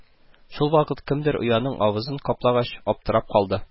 Шул вакыт кемдер ояның авызын каплагач, аптырап калды: